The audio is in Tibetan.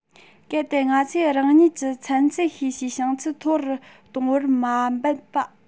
གལ ཏེ ང ཚོས རང ཉིད ཀྱི ཚན རྩལ ཤེས བྱའི བྱང ཚད མཐོ རུ གཏོང བར མ འབད པ